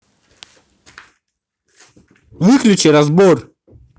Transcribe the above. выключи разбор